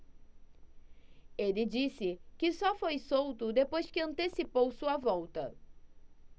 ele disse que só foi solto depois que antecipou sua volta